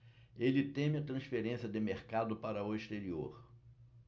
ele teme a transferência de mercado para o exterior